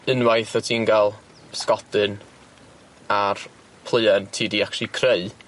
Unwaith wt ti'n ga'l p'sgodyn ar pluen ti 'di actually creu